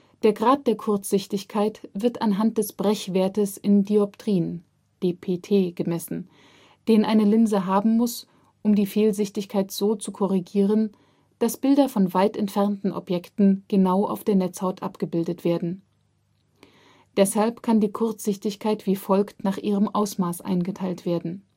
Der Grad der Kurzsichtigkeit wird anhand des Brechwertes in Dioptrien (dpt) gemessen, den eine Linse haben muss, um die Fehlsichtigkeit so zu korrigieren, dass Bilder von weit entfernten Objekten genau auf der Netzhaut abgebildet werden. Deshalb kann die Kurzsichtigkeit wie folgt nach ihrem Ausmaß eingeteilt werden